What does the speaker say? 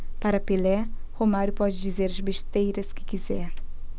para pelé romário pode dizer as besteiras que quiser